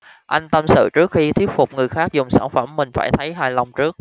anh tâm sự trước khi thuyết phục người khác dùng sản phẩm mình phải thấy hài lòng trước